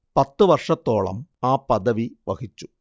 പത്തു വർഷത്തോളം ആ പദവി വഹിച്ചു